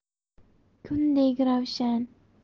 kundek ravshan